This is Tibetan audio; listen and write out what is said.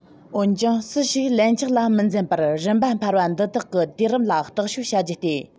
འོན ཀྱང སུ ཞིག ལན ཆགས ལ མི འཛེམ པར རིམ པ འཕར པ འདི དག གི དུས རིམ ལ རྟོག དཔྱོད བྱ རྒྱུ སྟེ